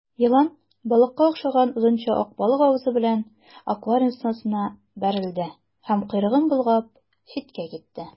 Елан балыкка охшаган озынча ак балык авызы белән аквариум стенасына бәрелде һәм, койрыгын болгап, читкә китте.